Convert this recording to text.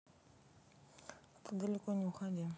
ты далеко не уходи